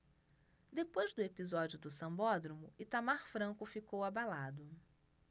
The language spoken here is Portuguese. depois do episódio do sambódromo itamar franco ficou abalado